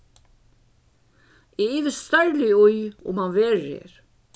eg ivist stórliga í um hann verður her